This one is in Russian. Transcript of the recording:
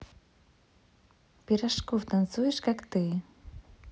пирожков танцуешь как ты